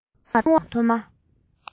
སྟེང འོག དང མཐོ དམའ